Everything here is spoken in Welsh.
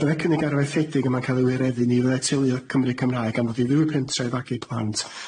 'Pe byddai'r cynnig arfaethiedig yma ga'l i wireddu ni fyddai teulu o Cymru Cymraeg am ddod i fyw i'r pentre i fagu plant,